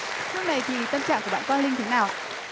lúc này thì tâm trạng của bạn quang linh thế nào